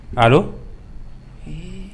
A